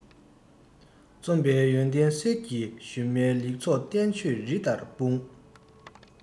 རྩོམ པས ཡོན ཏན གསེར གྱི ཞུན མའི ལེགས ཚོགས བསྟན བཅོས རི ལྟར སྤུངས